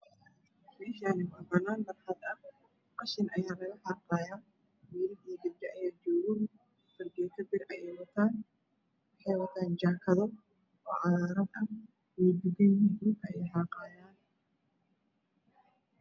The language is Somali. Meshani waa mel baana barxad ah qashin ayaa laga xaqayaa wiilal iyo gabdho ayaa joogo fargeeta bir ayey wataan waxey wataan jakado oo caagr ah dhulka ayey xaqayaan